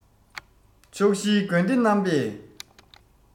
ཕྱོགས བཞིའི དགོན སྡེ རྣམ པས